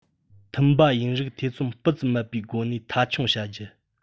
མཐུན པ ཡིན རིགས ཐེ ཚོམ སྤུ ཙམ མེད པའི སྒོ ནས མཐའ འཁྱོངས བྱ རྒྱུ